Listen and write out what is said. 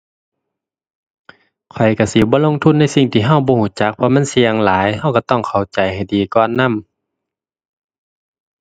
ข้อยก็สิบ่ลงทุนในสิ่งที่ก็บ่ก็จัก เพราะมันเสี่ยงหลาย ก็ก็ต้องเข้าใจให้ดีก่อนนำ